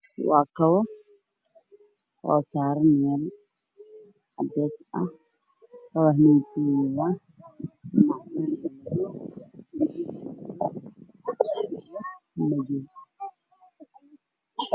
Waa kabo oo saaran meel caddeys ah waana saddex kabood oo suuman leh